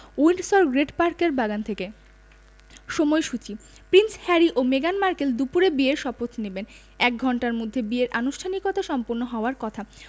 Windsor great পার্কের বাগান থেকে সময়সূচি প্রিন্স হ্যারি ও মেগান মার্কেল দুপুরে বিয়ের শপথ নেবেন এক ঘণ্টার মধ্যে বিয়ের আনুষ্ঠানিকতা সম্পন্ন হওয়ার কথা